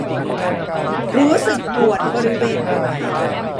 รู้สึกปวดบริเวณหัวเข่า